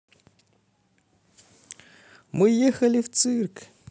мы ехали в цирк